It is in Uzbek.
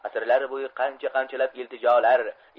asrlar bo'yi qancha qanchalab iltijolar